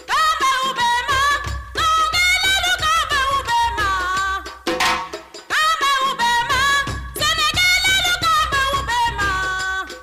Nka bɛ ma maa diɲɛ ba bɛ ba faama' bɛ ma tile ba bɛ ba